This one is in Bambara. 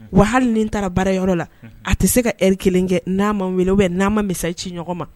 Wa hali ni taara baara yɔrɔ la a tɛ se ka eri kelen kɛ n'a ma weele n'a ma misa i ci ɲɔgɔn ma